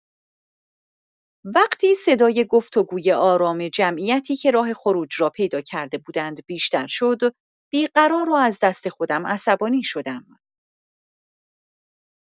وقتی صدای گفت‌وگوی آرام جمعیتی که راه خروج را پیدا کرده بودند بیشتر شد، بی‌قرار و از دست خودم عصبانی شدم.